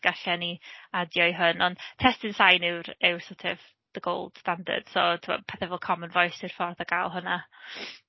Gallen ni adio i hwn, ond testun sain yw'r yw'r sort of the gold standard so tibod pethe fel Common Voice yw'r ffordd o gael hwnna .